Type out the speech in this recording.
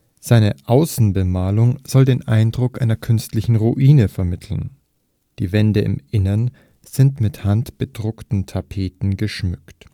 Seine Außenbemalung soll den Eindruck einer künstlichen Ruine vermitteln. Die Wände im Innern sind mit handbedruckten Tapeten geschmückt